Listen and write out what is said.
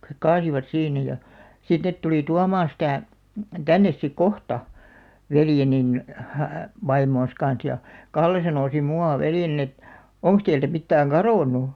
- he kaatoivat siinä ja sitten ne tuli tuomaan sitä tänne sitten kohta veljeni vaimonsa kanssa ja Kalle sanoi sitten minun veljeni että onko teiltä mitään kadonnut